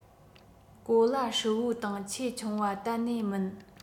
གོ ལ ཧྲིལ པོའི སྟེང ཆེས ཆུང བ གཏན ནས མིན